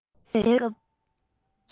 འཇལ བའི སྐབས